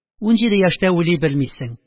Унҗиде яшьтә уйлый белмисең